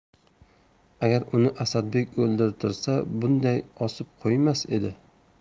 agar uni asadbek o'ldirtirsa bunday osib qo'ymas edi